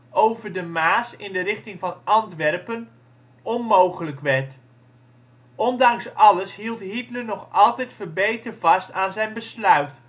over de Maas in de richting van Antwerpen onmogelijk werd. Ondanks alles hield Hitler nog altijd verbeten vast aan zijn besluit